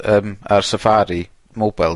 yym ar Safari, mobile...